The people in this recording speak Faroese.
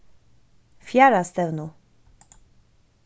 fjarðastevnu